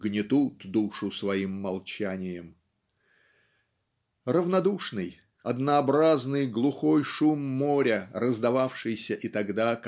гнетут душу своим молчанием". Равнодушный однообразный глухой шум моря раздававшийся и тогда